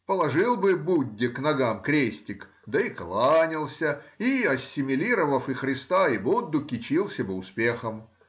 положил бы Будде к ногам крестик, да и кланялся и, ассимилировав и Христа и Будду, кичился бы успехом